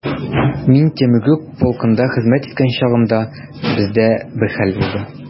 Мин Темрюк полкында хезмәт иткән чагымда, бездә бер хәл булды.